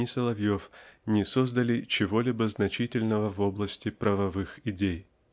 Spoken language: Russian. ни Соловьев не создали чего-либо значительного в области правовых идей.